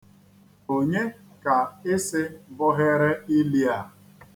Onye ka ị sị bọhere ili a?